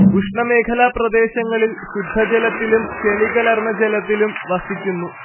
ഉഷ്ണമേഖലാ പ്രദേശങ്ങളിൽ ശുദ്ധജലത്തിലും ചെളികലർന്ന ജലത്തിലും വസിക്കുന്നു